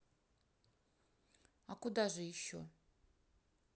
а куда же еще